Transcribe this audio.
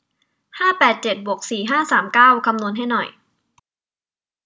ห้าแปดเจ็ดบวกสี่ห้าสามเก้าคำนวณให้หน่อย